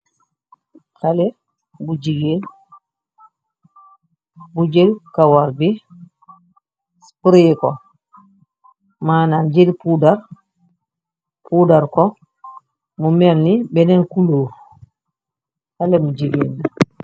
bu jël kawar bi spreeko maana jël darpuudar ko mu merni beneen kulu xalé mu jigéenne